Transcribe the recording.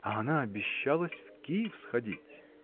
А она обещалась в Киев сходить!